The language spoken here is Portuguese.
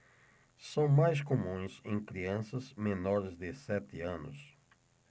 são mais comuns em crianças menores de sete anos